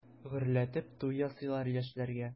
Гөрләтеп туй ясыйлар яшьләргә.